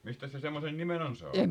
mistäs se semmoisen nimen on saanut